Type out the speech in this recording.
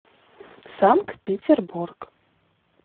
санкт петербург